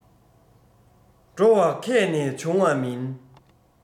འགྲོ བ མཁས ནས བྱུང བ མིན